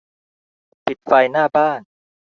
ปิดไฟหน้าบ้าน